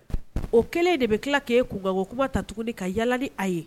O kɛlen de bɛ tila k kɛ ye kubɔ kuraba ta tuguni ka yaali a ye